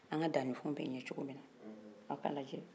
dannifɛnw bɛ ɲɛ cogomin na aw k' a lajɛ